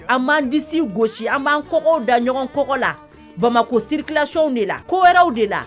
An b'an disi gosi an b'an Kɔkɔ da ɲɔgɔn kɔkɔ la Bamakɔ circulation de la, ko wɛrɛw de la